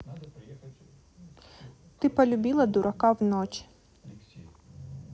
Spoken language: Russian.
ты полюбила дурака в ночь